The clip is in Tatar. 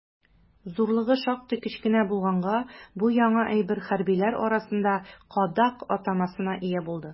Зурлыгы шактый кечкенә булганга, бу яңа әйбер хәрбиләр арасында «кадак» атамасына ия булды.